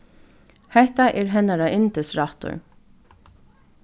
hetta er hennara yndisrættur